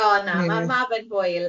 O na ma ma fe'n hwyl.